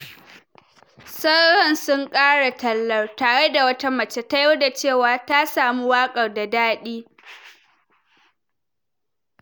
Sauran sun kare tallar, tare da wata mace ta yarda cewa ta sami waƙar "da dadi."